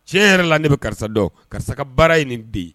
Tiɲɛ yɛrɛ la ne bɛ karisa dɔn karisa ka baara ye nin de ye